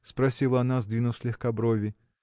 – спросила она, сдвинув слегка брови.